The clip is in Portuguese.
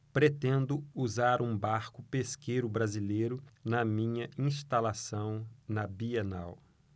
pretendo usar um barco pesqueiro brasileiro na minha instalação na bienal